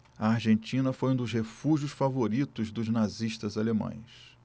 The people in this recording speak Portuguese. a argentina foi um dos refúgios favoritos dos nazistas alemães